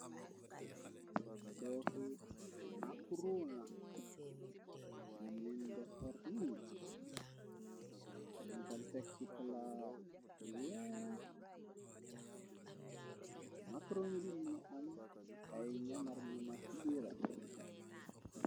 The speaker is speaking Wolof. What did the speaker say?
Soofu makroona mo nend xërni mungaltexci plaat lu weex makroonaridni am ay ñamar ñamar ci biira.